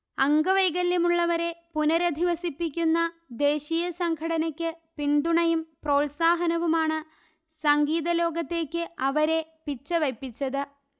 അംഗവൈകല്യമുള്ളവരെ പുനരധിവസിപ്പിക്കുന്ന ദേശീയ സംഘടനയ്ക്ക് പിന്തുണയും പ്രോത്സാഹനവുമാണ് സംഗീത ലോകത്തേക്ക് അവരെ പിച്ചവയ്പ്പിച്ചത്